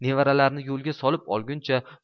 nevaralarini yo'lga solib olguncha